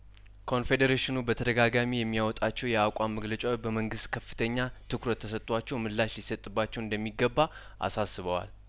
ኮን ፌዴሬሽኑ በተደጋጋሚ የሚያወጣቸው የአቋም መግለጫዎች በመንግስት ከፍተኛ ትኩረት ተሰጥቷ ቸውምላሽ ሊሰጥባቸው እንደሚገባ አሳስበዋል